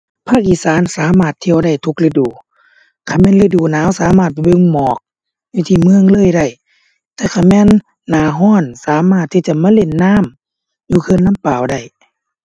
ภาคอีสานสามารถเที่ยวได้ทุกฤดู คันแม่นฤดูหนาวสามารถไปเบิ่งหมอกอยู่ที่เมืองเลยได้ แต่คันแม่นหน้าร้อนสามารถที่จะมาเล่นน้ำอยู่เขื่อนลำปาวได้